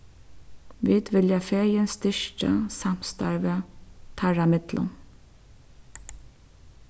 vit vilja fegin styrkja samstarvið teirra millum